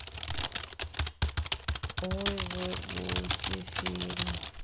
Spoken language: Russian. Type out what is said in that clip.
ой вы гуси фильм